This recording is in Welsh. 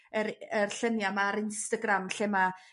yr yr llunia' ma' ar Instagram lle ma'